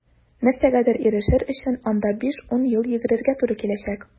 Нәрсәгәдер ирешер өчен анда 5-10 ел йөгерергә туры киләчәк.